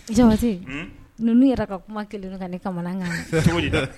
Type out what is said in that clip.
Jamase numu yɛrɛ ka kuma kelen ka ne kamanakan